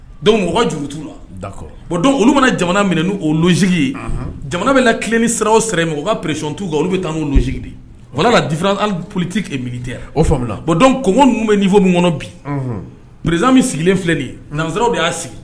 Dɔnku mɔgɔ jugutu la da don olu mana jamana minɛ o sigi ye jamana bɛna la ni sira o sira mɔgɔ ka presiontuu kan olu bɛ taa n'sigi de o fana lara ali politi mili o bɔn don koko ninnu bɛ fɔ min kɔnɔ bi presizan min sigilen filɛ de ye naraww de y'a sigi